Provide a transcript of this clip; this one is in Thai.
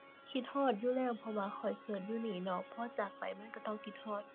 คิดฮอดอยู่แล้ว เพราะว่าข้อยเกิดอยู่นี่เนาะ พอจากไปมันก็ต้องคิดฮอด